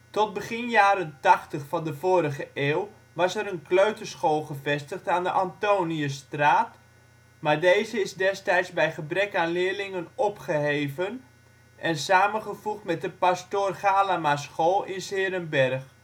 Tot begin jaren ' 80 van de vorige eeuw was er een kleuterschool gevestigd aan de Antoniusstraat, maar deze is destijds bij gebrek aan leerlingen opgeheven en samengevoegd met de Pastoor Galamaschool in ' s-Heerenberg